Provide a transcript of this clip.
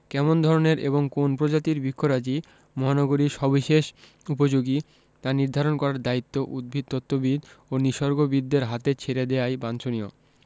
কেমন ধরনের এবং কোন্ প্রজাতির বৃক্ষরাজি মহানগরীর সবিশেষ উপযোগী তা নির্ধারণ করার দায়িত্ব উদ্ভিদতত্ত্ববিদ ও নিসর্গবিদদের হাতে ছেড়ে দেয়াই বাঞ্ছনীয়